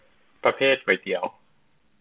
ประเภทก๋วยเตี๋ยว